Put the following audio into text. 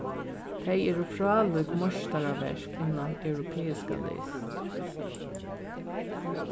tey eru frálík meistaraverk innan europeiska list